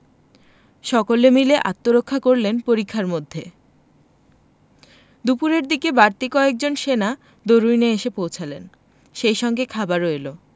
সকলে মিলে আত্মরক্ষা করলেন পরিখার মধ্যে দুপুরের দিকে বাড়তি কয়েকজন সেনা দরুইনে এসে পৌঁছালেন সেই সঙ্গে খাবারও এলো